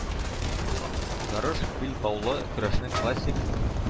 Ярыш билбаулы көрәшнең классик